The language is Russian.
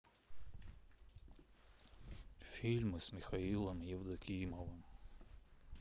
фильмы с михаилом евдокимовым